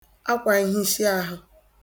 akwànhishiàhụ